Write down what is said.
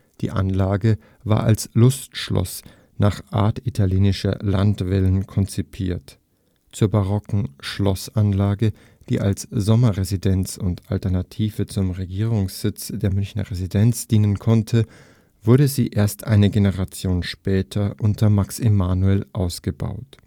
Die Anlage war als Lustschloss nach Art italienischer Landvillen konzipiert; zur barocken Schlossanlage, die als Sommerresidenz und Alternative zum Regierungssitz, der Münchner Residenz, dienen konnte, wurde sie erst eine Generation später unter Max Emanuel ausgebaut